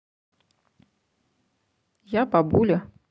я бабуля